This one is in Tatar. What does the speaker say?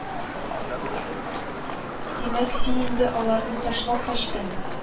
Димәк, син инде аларны ташлап качтың